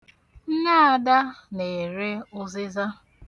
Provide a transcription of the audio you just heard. Nne Ada na-ere ụzịza.